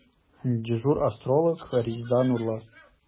Дежур астролог – Резеда Нурлы.